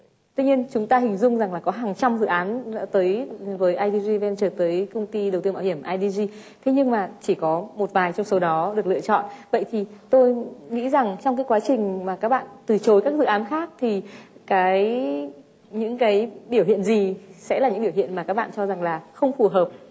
tuy nhiên chúng ta hình dung rằng là có hàng trăm dự án nữa tới với ai đi di ven trờ tới công ty đầu tư mạo hiểm ai đi di thế nhưng mà chỉ có một vài trong số đó được lựa chọn vậy thì tôi nghĩ rằng trong cái quá trình mà các bạn từ chối các dự án khác thì cái những cái biểu hiện gì sẽ là những biểu hiện mà các bạn cho rằng là không phù hợp